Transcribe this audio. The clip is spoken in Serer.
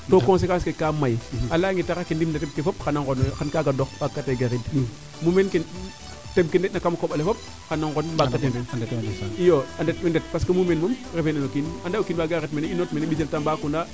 to consequence ke kaa may a leya nge taxar ke ndimna tiind ke fop xana ngono yo xan kaagav dox waag katee gariid mumeen teɓ ke nde ina kama koɓale fop xana ngon bade ndet iyo de ndet parce que mumeen refe no kiin ande kiin waaga ret meeke mbisel Tambacounda